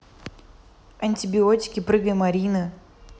антибиотики прыгай марина